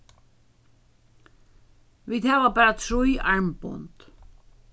vit hava bara trý armbond